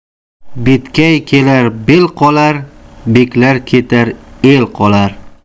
betkay ketar bel qolar beklar ketar el qolar